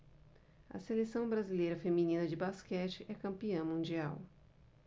a seleção brasileira feminina de basquete é campeã mundial